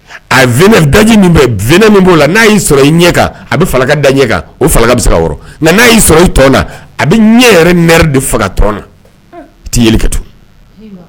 A venin daji min bɛ venin min bɛ o la n'a y'i sɔrɔ i ɲɛka a bɛ falaka da ɲɛka o falaka bɛ se ka wɔrɔ nka n'a y'i sɔrɔ i tɔn a bɛ ɲɛ yɛrɛ ners de faga tɔn na.